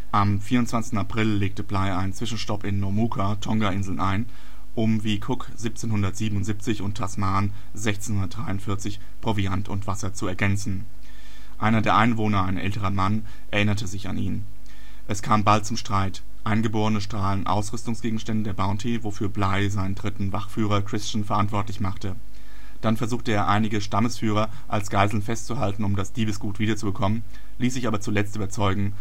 Am 24. April legte Bligh einen Zwischenstopp in Nomuka (Tongainseln) ein, um wie Cook 1777 und Tasman 1643 Proviant und Wasser zu ergänzen. Einer der Einwohner, ein älterer Mann, erinnerte sich an ihn. Es kam bald zum Streit. Eingeborene stahlen Ausrüstungsgegenstände der Bounty, wofür Bligh seinen dritten Wachführer Christian verantwortlich machte. Dann versuchte er einige Stammesführer als Geiseln festzuhalten um das Diebesgut wiederzubekommen, ließ sich aber zuletzt überzeugen